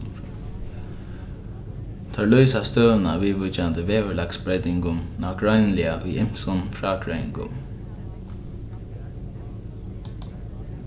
teir lýsa støðuna viðvíkjandi veðurlagsbroytingum nágreiniliga í ymsum frágreiðingum